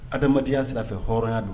Ha adamadenyaya sira fɛ hɔrɔnya don